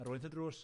Ar oed y drws.